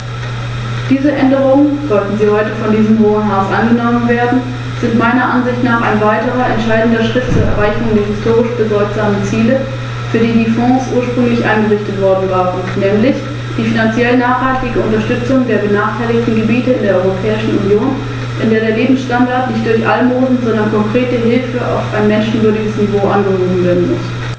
Angesichts der jüngsten Naturkatastrophen möchte ich doch noch auf die Verwendung der Strukturfondsmittel eingehen.